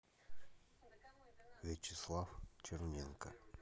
вячеслав черненко